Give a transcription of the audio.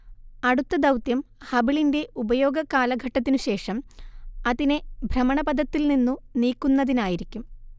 അടുത്ത ദൗത്യം ഹബിളിന്റെ ഉപയോഗ കാലഘട്ടത്തിനു ശേഷം അതിനെ ഭ്രമണപഥത്തിൽ നിന്നും നീക്കുന്നതിനായിരിക്കും